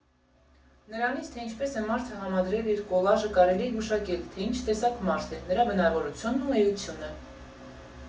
Նրանից, թե ինչպես է մարդը համադրել իր կոլաժը կարելի է գուշակել, թե ինչ տեսակ մարդ է՝ նրա բնավորությունն ու էությունը։